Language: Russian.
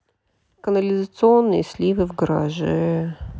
канализационные сливы в гараже